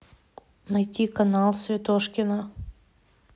найти канал светошкина